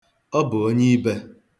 Ọ bụ onye ibe.